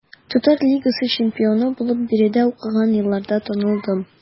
Татар лигасы чемпионы булып биредә укыган елларда танылдым.